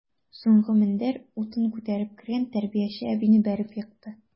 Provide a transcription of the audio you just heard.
Соңгы мендәр утын күтәреп кергән тәрбияче әбине бәреп екты.